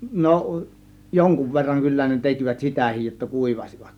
no jonkun verran kyllä ne tekivät sitäkin jotta kuivasivat